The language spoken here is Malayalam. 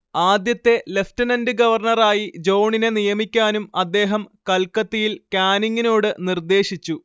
ആദ്യത്തെ ലെഫ്റ്റനന്റ് ഗവർണറായി ജോണിനെ നിയമിക്കാനും അദ്ദേഹം കൽക്കത്തിയിൽ കാനിങ്ങിനോട് നിർദ്ദേശിച്ചു